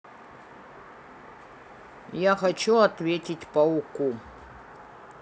я хочу ответь пауку